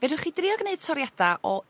Fedrwch chi drio gneud toriada o